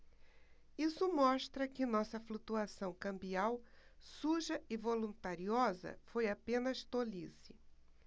isso mostra que nossa flutuação cambial suja e voluntariosa foi apenas tolice